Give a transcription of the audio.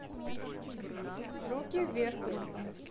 руки вверх группа